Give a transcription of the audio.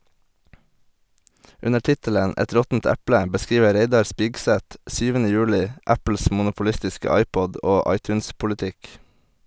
Under tittelen "Et råttent eple" beskriver Reidar Spigseth 7. juli Apples monopolistiske iPod- og iTunes-politikk.